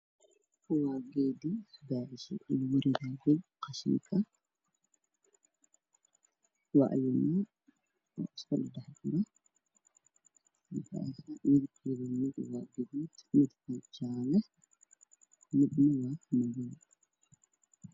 Ii muuqda welasha lagu rido qashinka midabkoodu waa guduud jaalle iyo madow wayna isku dhex jiraan